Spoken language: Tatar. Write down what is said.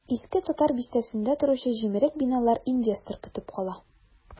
Иске татар бистәсендә торучы җимерек биналар инвестор көтеп кала.